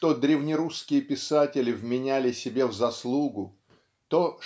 что древнерусские писатели вменяли себе в заслугу то